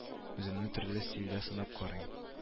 Үземне төрле стильдә сынап карыйм